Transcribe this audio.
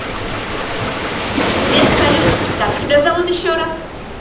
сбер салют как тебя зовут еще раз